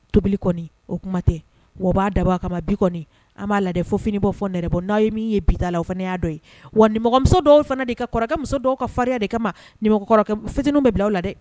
Tobili kɔni o kuma tɛ o b'a dabɔ a kama bi an b'a lajɛ dɛ fo fini bɔ fɔɛnɛbɔ n'a ye min ye bita la o fana y'a dɔn ye wa nimɔgɔmuso dɔw fana de' ka kɔrɔkɛmuso dɔw karinya de kama ma fitininw bɛ bila aw la dɛ